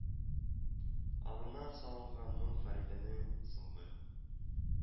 Анына салынган моң фәридәне соңгы